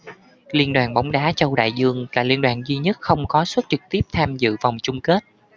liên đoàn bóng đá châu đại dương là liên đoàn duy nhất không có suất trực tiếp tham dự vòng chung kết